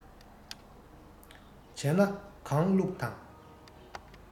བྱས ན གང བླུགས དང